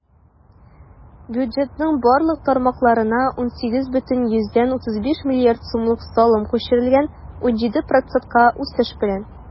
Бюджетның барлык тармакларына 18,35 млрд сумлык салым күчерелгән - 17 процентка үсеш белән.